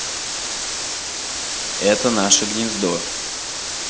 это наше гнездо